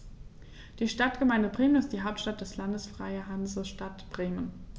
Die Stadtgemeinde Bremen ist die Hauptstadt des Landes Freie Hansestadt Bremen.